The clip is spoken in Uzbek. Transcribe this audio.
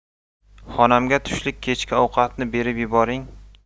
xonamga tushlik kechki ovqatni berib yuboring